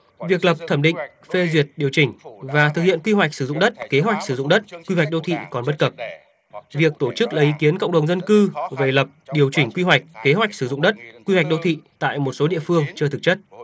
việc lập thẩm định phê duyệt điều chỉnh và thực hiện quy hoạch sử dụng đất kế hoạch sử dụng đất quy hoạch đô thị còn bất cập việc tổ chức lấy ý kiến cộng đồng dân cư về lập điều chỉnh quy hoạch kế hoạch sử dụng đất quy hoạch đô thị tại một số địa phương chưa thực chất